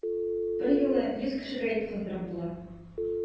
Берьюлы йөз кешегә ит кыздырып була!